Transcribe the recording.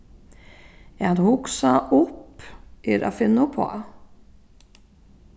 at hugsa upp er at finna uppá